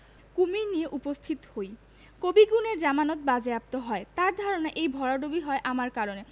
কুমীর নিয়ে উপস্থিত হই কবি গুণের জামানত বাজেয়াপ্ত হয় তাঁর ধারণা এই ভরাডুবি হয় আমার কারণে